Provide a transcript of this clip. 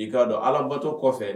I k'a don allah bato kɔfɛ